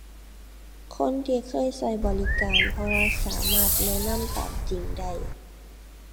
คนที่เคยใช้บริการ เพราะว่าสามารถแนะนำตามจริงได้